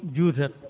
juutat